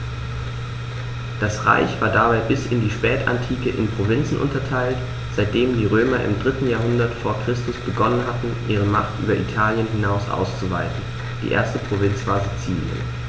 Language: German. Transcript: Das Reich war dabei bis in die Spätantike in Provinzen unterteilt, seitdem die Römer im 3. Jahrhundert vor Christus begonnen hatten, ihre Macht über Italien hinaus auszuweiten (die erste Provinz war Sizilien).